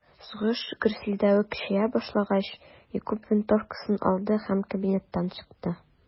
Сугыш гөрселдәве көчәя башлагач, Якуб винтовкасын алды һәм кабинеттан чыкты.